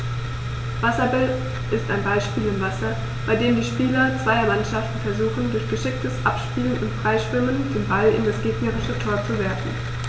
Wasserball ist ein Ballspiel im Wasser, bei dem die Spieler zweier Mannschaften versuchen, durch geschicktes Abspielen und Freischwimmen den Ball in das gegnerische Tor zu werfen.